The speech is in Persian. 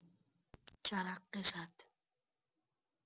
جرقه زد.